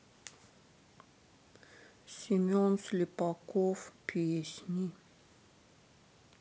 семен слепаков песни